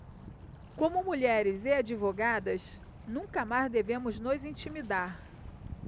como mulheres e advogadas nunca mais devemos nos intimidar